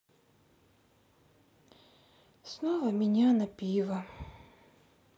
снова меня на пиво